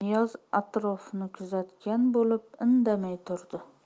niyoz atrofni kuzatgan bo'lib indamay turdi